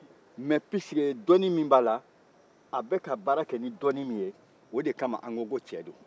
mɛ pisi kee dɔɔni min b'a la a bɛ ka baara kɛ ni dɔɔni min ye o de kaman an ko ko cɛ do